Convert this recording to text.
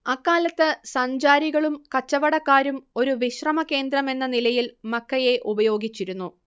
അക്കാലത്ത് സഞ്ചാരികളും കച്ചവടക്കാരും ഒരു വിശ്രമ കേന്ദ്രമെന്ന നിലയിൽ മക്കയെ ഉപയോഗിച്ചിരുന്നു